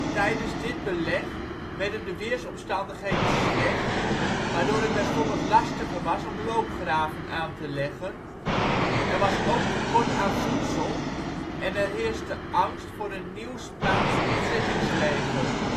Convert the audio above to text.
Tijdens dit beleg werden de weersomstandigheden slecht, waardoor het bijvoorbeeld lastiger was om loopgraven aan te leggen, er was ook tekort aan voedsel en er heerste angst voor een nieuw Spaans ontzettingsleger